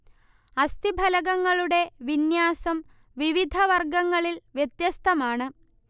അസ്ഥിഫലകങ്ങളുടെ വിന്യാസം വിവിധ വർഗങ്ങളിൽ വ്യത്യസ്തമാണ്